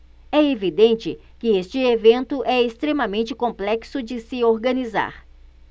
é evidente que este evento é extremamente complexo de se organizar